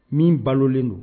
Min balolen don